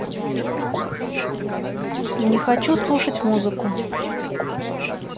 не хочу слушать музыку